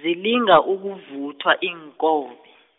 zilinga ukuvuthwa iinkobe.